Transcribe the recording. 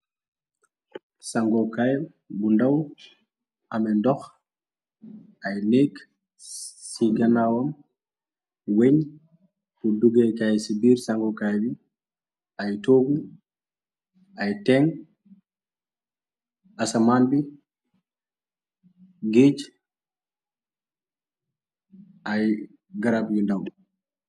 Sangokaay bu ndaw ame ndox ay nékk ci ganawam weñ bu dugekaay ci biir sangokaay bi ay toog i ay teŋg asamaan bi géej ay garab yu ndaw.